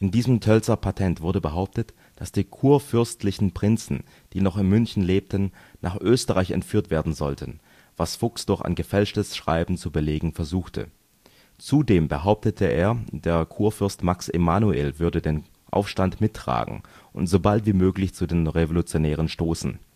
diesem Tölzer Patent wurde behauptet, dass die kurfürstlichen Prinzen, die noch in München lebten, nach Österreich entführt werden sollten, was Fuchs durch ein gefälschtes Schreiben zu belegen versuchte. Zudem behauptete er, der Kurfürst Max Emmanuel würde den Aufstand mittragen und so bald wie möglich zu den Revolutionären stoßen